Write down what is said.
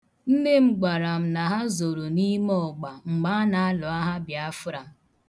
Nne m gwara m na ha zoro n' ime ọgba mgbe a na-alụ agha Bịafra.